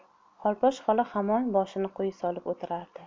xolposh xola hamon boshini quyi solib o'tirardi